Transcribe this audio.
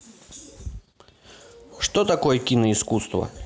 что такое киноискусство